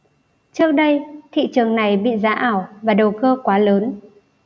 trước đây thị trường này bị giá ảo và đầu cơ quá lớn